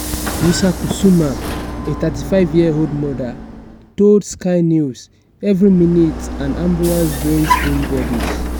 Risa Kusuma, a 35-year-old mother, told Sky News: "Every minute an ambulance brings in bodies.